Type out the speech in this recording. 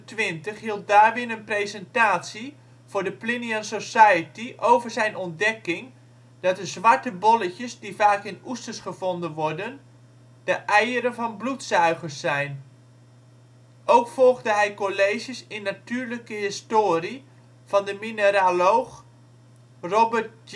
1827 hield Darwin een presentatie voor de Plinian Society over zijn ontdekking dat de zwarte bolletjes die vaak in oesters gevonden worden de eieren van bloedzuigers zijn. Ook volgde hij colleges in natuurlijke historie van de mineraloog Robert